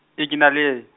ee kena le yena.